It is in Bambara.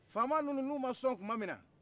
faama ninnu n'u ma sɔn tuma min na